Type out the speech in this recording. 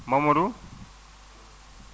Mamadou